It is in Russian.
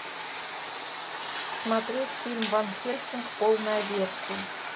смотреть фильм ван хельсинг полная версия